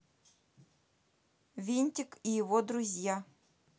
винтик и его друзья